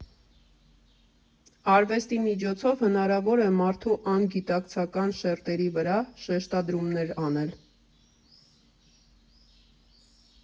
Արվեստի միջոցով հնարավոր է մարդու անգիտակցական շերտերի վրա շեշտադրումներ անել։